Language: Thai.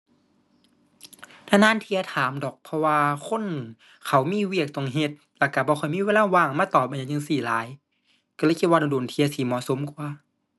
นานนานเที่ยถามดอก เพราะว่าคนเขามีเวียกต้องเฮ็ด แล้วก็บ่ค่อยมีเวลาว่างมาตอบอิหยังจั่งซี้หลาย ก็เลยคิดว่าโดนโดนเที่ยสิเหมาะสมกว่า